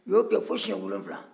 u y'okɛ fɔ siyɛn wolonwulan